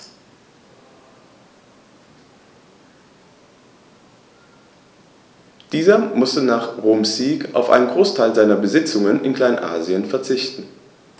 Dieser musste nach Roms Sieg auf einen Großteil seiner Besitzungen in Kleinasien verzichten.